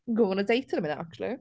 I'm going on a date in a minute actually.